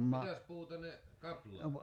mitäs puuta ne kaplaat